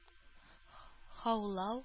Һаулау